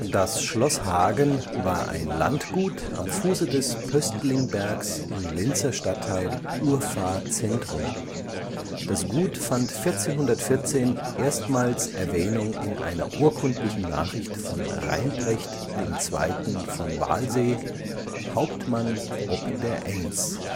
Das Schloss Hagen war ein Landgut am Fuße des Pöstlingbergs im Linzer Stadtteil Urfahr-Zentrum. Das Gut fand 1414 erstmals Erwähnung in einer urkundlichen Nachricht von Reinprecht II. von Walsee, Hauptmann ob der Enns